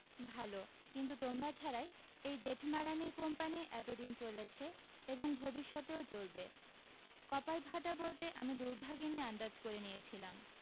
ভালো কিন্তু তোমরা ছাড়াই এই জেঠমালানি কোম্পানী এত দিন চলেছে এবং ভবিষ্যতেও চলবে কপাল ফাটা বলতে আমি দুর্ভাগিনী আন্দাজ করে নিয়েছিলাম